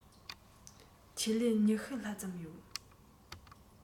ཆེད ལས ༢༠ ལྷག ཙམ ཡོད